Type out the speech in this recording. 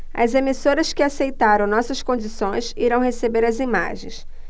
as emissoras que aceitaram nossas condições irão receber as imagens